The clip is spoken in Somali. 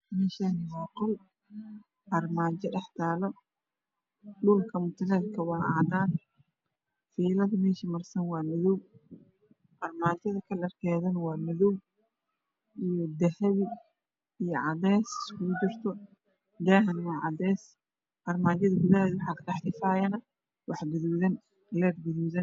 Meeshani waa qol armaajo dhex taalo dhulka mutoleelka waa cadan fiilada meesha marsiisan waa madow armaajada kalar keedona waa madow iyo dahabi iyo cadeys iskugo jirto daahane waa cadeys armaajada gudaheeda waxaa kadhax ifaayane wax gudoodan leyr gudoodan